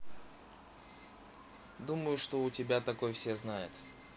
думаю что у тебя такой все знает